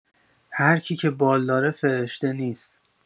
هرکی که بالداره فرشته نیست!